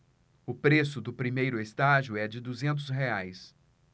o preço do primeiro estágio é de duzentos reais